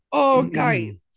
Oh guys.